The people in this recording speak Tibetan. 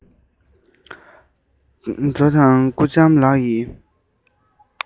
ཇོ དང སྐུ ལྕམ ལགས ཡེ